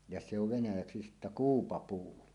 ja se on venäjäksi sitten kuupapuu